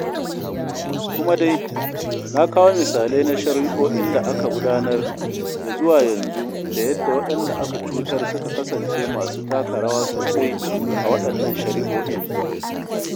Kuma dai, na kawo misalai na shari'o'in da aka gudanar ya zuwa yanzu da yadda waɗanda aka cutar suka kasance masu taka rawa sosai a waɗannan shari'o'in.